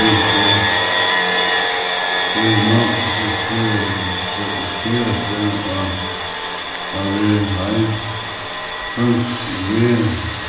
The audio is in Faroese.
myrkri er nógv á veg heim